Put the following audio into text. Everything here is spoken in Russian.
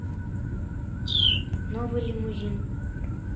новый лимузин